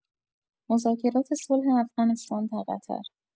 مذاکرات صلح افغانستان در قطر